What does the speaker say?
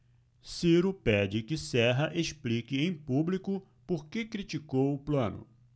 ciro pede que serra explique em público por que criticou plano